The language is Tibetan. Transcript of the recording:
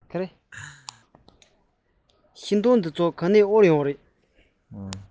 ཤིང ཏོག ཕ ཚོ ག ནས དབོར ཡོང བ རེད